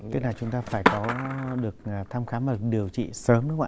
tức là chúng ta phải có được thăm khám và điều trị sớm đúng không ạ